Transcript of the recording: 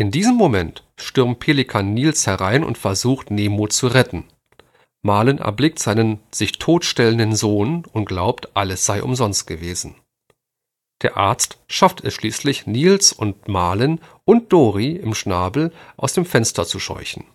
diesem Moment stürmt Pelikan Niels herein und versucht, Nemo zu retten. Marlin erblickt seinen sich tot stellenden Sohn und glaubt, alles sei umsonst gewesen. Der Arzt schafft es schließlich, Niels mit Marlin und Dorie im Schnabel aus dem Fenster zu scheuchen